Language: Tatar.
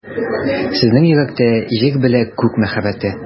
Сезнең йөрәктә — Җир белә Күк мәхәббәте.